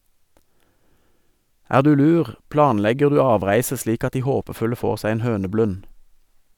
Er du lur, planlegger du avreise slik at de håpefulle får seg en høneblund.